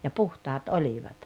ja puhtaat olivat